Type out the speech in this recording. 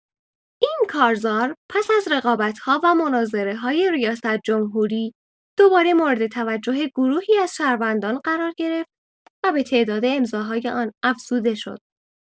این کارزار پس از رقابت‌ها و مناظره‌های ریاست‌جمهوری دوباره مورد توجه گروهی از شهروندان قرار گرفت و به تعداد امضاهای آن افزوده شد.